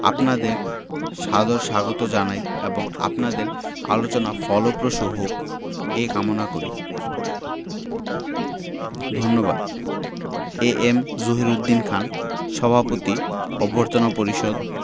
আপনাদের সাদর স্বাগত জানাই এবং আপনাদের আলোচনা ফলপ্রসূ হোক এ কামনা করি ধন্যবাদ এ এম জহিরুদ্দিন খান সভাপতি অভ্যর্থনা পরিষদ